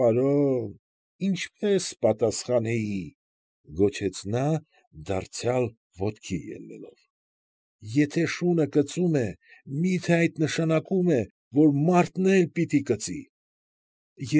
Պարոն, ինչպե՞ս պատասխանեի,֊ գոչեց նա, դարձյալ ոտքի ելնելով,֊ եթե շունը կծում է, մի՞թե այդ նշանակում է, որ մարդն էլ պիտի կծի։